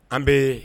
An bɛ